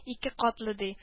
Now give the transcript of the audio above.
Ике катлы ди